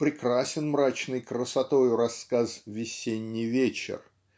Прекрасен мрачной красотою рассказ "Весенний вечер"